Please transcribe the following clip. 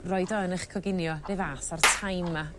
roid o yn 'ych coginio 'r un fath â'r thyme 'ma